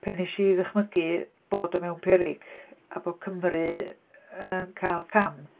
Pan wnes i ddychmygu bod o mewn perygl a bod Cymru yy yn cael cam.